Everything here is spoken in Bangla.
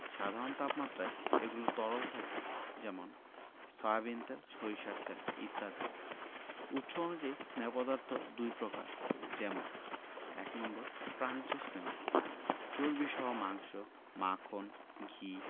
সাধারণ তাপমাত্রায় এগুলো তরল থাকে যেমন সয়াবিন তেল সরিষার তেল ইত্যাদি উৎস অনুযায়ী স্নেহ পদার্থ দুই প্রকার যেমন ১. প্রাণিজ স্নেহ চর্বিসহ মাংস মাখন ঘি